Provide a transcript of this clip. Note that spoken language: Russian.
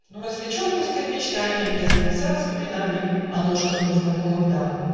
Но, развлечен пустым мечтаньем, Я занялся воспоминаньем О ножках мне знакомых дам.